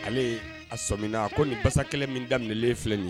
Ale a sɔmina .A ko nin basakɛlɛ min daminɛ len filɛ nin ye